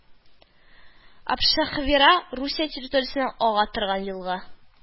Абшехвира Русия территориясеннән ага торган елга